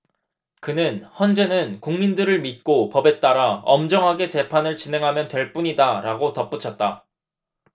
그는 헌재는 국민들을 믿고 법에 따라 엄정하게 재판을 진행하면 될 뿐이다라고 덧붙였다